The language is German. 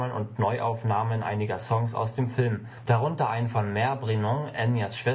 und Neuaufnahmen einiger Songs aus dem Film, darunter ein von Máire Brennan, Enyas